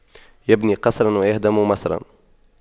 يبني قصراً ويهدم مصراً